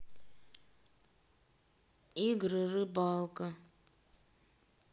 игры рыбалка